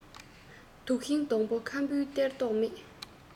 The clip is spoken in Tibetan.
དུག ཤིང སྡོང པོས ཁམ བུ སྟེར མདོག མེད